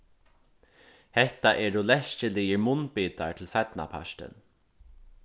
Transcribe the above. hetta eru leskiligir munnbitar til seinnapartin